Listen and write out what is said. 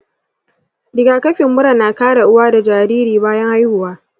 rigakafin mura na kare uwa da jariri bayan haihuwa.